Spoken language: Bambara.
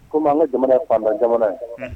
Komi an ka jamana ye faantan jamana ye, unhun